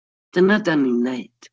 Dyna dan ni'n wneud.